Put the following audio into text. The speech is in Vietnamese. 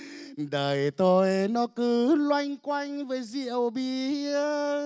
đời tôi nó cứ loanh quanh với rượu bia